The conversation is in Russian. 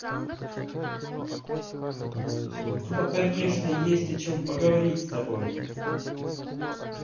ну конечно есть о чем поговорить с тобой